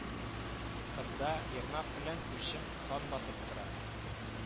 Кырда Ермак белән Кучем хан басып тора